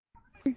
དེར བརྟེན